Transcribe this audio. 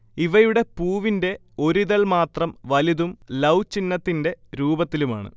ഇവയുടെ പൂവിന്റെ ഒരിതൾമാത്രം വലുതും ലൗ ചിഹ്നത്തിന്റെ രൂപത്തിലുമാണ്